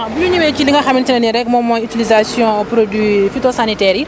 waaw bu ñu ñëwee si li nga xamante ne rek moom mooy utilisqation produit phytosantitaire yi